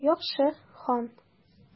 Яхшы, хан.